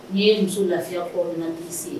N'i ye muso lafiya